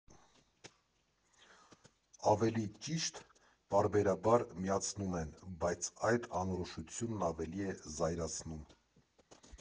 Ավելի ճիշտ, պարբերաբար միացնում են, բայց այդ անորոշությունն ավելի է զայրացնում։